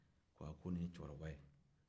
ko aa ko nin ye cɛkɔrɔba ye